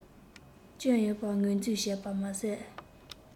སྐྱོན ཡོད པར ངོས འཛིན བྱས པ མ ཟད